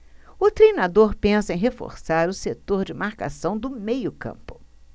o treinador pensa em reforçar o setor de marcação do meio campo